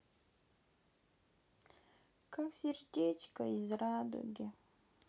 как сердечко из радуги